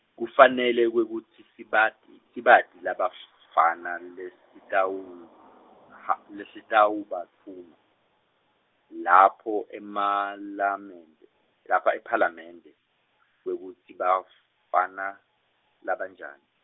kufanele kwekutsi sibati, sibati labaf- -fana lesitawuha-, lesitawubatfuma, lapho emalamente, lapha ephalamende, kwekutsi bafana, labanjani.